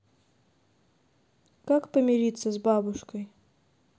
как помириться с бабушкой